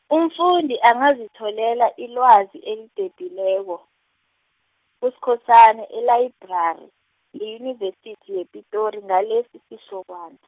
umfundi angazitholela ilwazi elidephileko, kuSkhosana elayibrari, yeyunivesithi yePitori, ngalesisihlokwana.